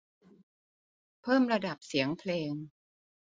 เพิ่มระดับเสียงเพลง